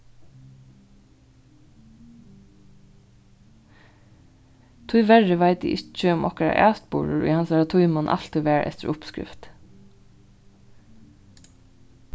tíverri veit eg ikki um okkara atburður í hansara tímum altíð var eftir uppskrift